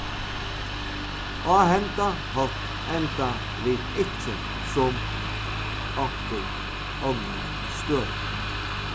á henda hátt enda vit ikki sum onkur onnur støð